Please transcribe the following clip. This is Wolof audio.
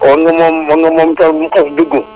woŋ moom woŋ moom tool bu mu xas dugg